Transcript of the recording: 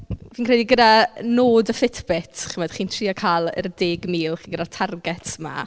Fi'n credu gyda nod y Fitbit chimod chi'n trio cael yr deg mil, chi gyda'r targets 'ma.